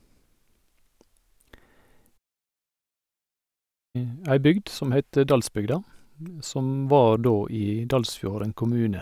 ei bygd som heter Dalsbygda, som var da i Dalsfjorden kommune.